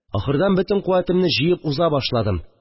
Ахырдан бөтен куәтемне җыеп уза башладым